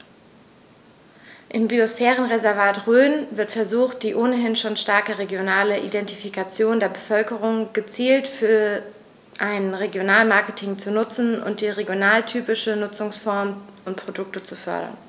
Im Biosphärenreservat Rhön wird versucht, die ohnehin schon starke regionale Identifikation der Bevölkerung gezielt für ein Regionalmarketing zu nutzen und regionaltypische Nutzungsformen und Produkte zu fördern.